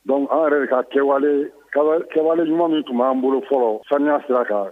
Donc anw yɛrɛ de ka kɛ kɛwalee kɛwa kɛwale ɲuman min tun b'an bolo fɔlɔ saniya sira kan